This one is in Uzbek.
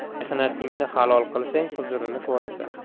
mehnatingni halol qilsang huzurini ko'rasan